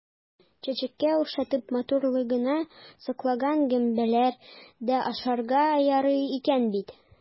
Чәчәккә охшатып, матурлыгына сокланган гөмбәләр дә ашарга ярый икән бит!